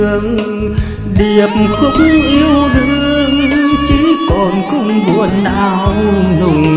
điệp khúc yêu đương chỉ còn cung buồn não nùng